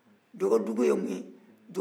dɔgɔkun wo dɔgɔkun